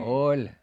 oli